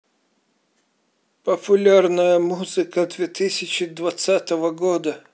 популярная музыка две тысячи двадцатого года